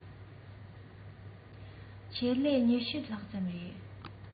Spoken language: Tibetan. ཆེད ལས ༢༠ ལྷག ཙམ རེད